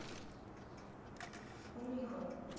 кумихо